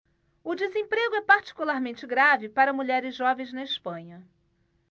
o desemprego é particularmente grave para mulheres jovens na espanha